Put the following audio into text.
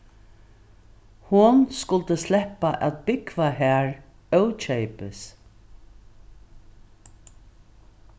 hon skuldi sleppa at búgva har ókeypis